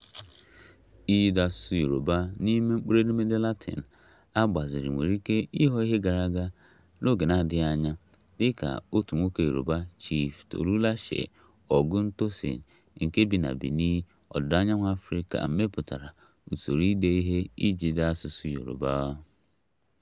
Ide asụsụ Yorùbá n'ime mkpụrụedemede Latin e gbaziri nwere ike ịghọ ihe gara aga n'oge na-adịghị anya dịka otu nwoke Yorùbá , Chief Tolúlàṣe Ògúntósìn, nke bi na Benin, Ọdịda Anyanwụ Afrịka, mepụtara usoro ide ihe iji dee asụsụ Yorùbá .